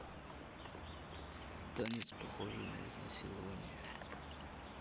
танец похожий на изнасилование